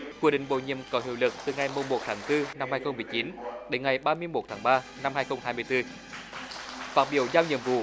quy định bổ nhiệm có hiệu lực từ ngày mùng một tháng tư năm hai không mười chín đến ngày ba mươi mốt tháng ba năm hai không hai mươi tư phát biểu giao nhiệm vụ